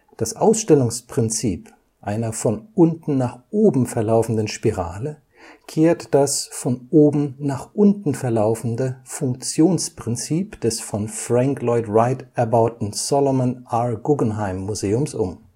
Das Ausstellungsprinzip einer von unten nach oben verlaufenden Spirale kehrt das von oben nach unten verlaufende „ Funktionsprinzip “des von Frank Lloyd Wright erbauten Solomon-R.-Guggenheim-Museums um